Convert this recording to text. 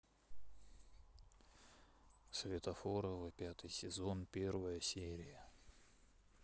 светофоровы пятый сезон первая серия